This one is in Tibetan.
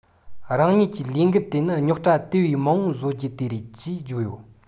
རང ཉིད ཀྱི ལས འགན དེ ནི རྙོག དྲ དེ བས མང བ བཟོ རྒྱུ དེ རེད ཅེས བརྗོད ཡོད